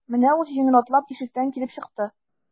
Менә ул җиңел атлап ишектән килеп чыкты.